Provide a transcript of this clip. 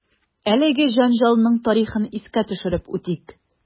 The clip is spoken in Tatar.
Әлеге җәнҗалның тарихын искә төшереп үтик.